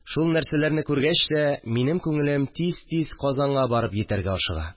Шул нәрсәләрне күргәч тә, минем күңелем тиз-тиз Казанга барып йитәргә ашыга